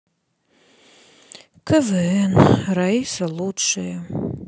квн раиса лучшее